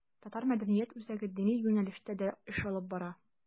Татар мәдәният үзәге дини юнәлештә дә эш алып бара.